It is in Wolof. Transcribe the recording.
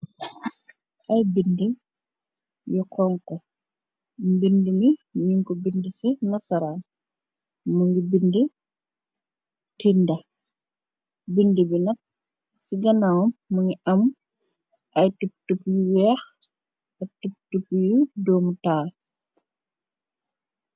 Ay bind yu konko mbind mi nuñ ko bind ci nasaraal mu ngi bind tinda bind bi nax ci ganawam mu ngi am ay tubtub yu weex ak tub tub yu doomu taal.